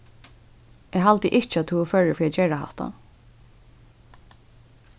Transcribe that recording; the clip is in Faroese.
eg haldi ikki at tú ert førur fyri at gera hatta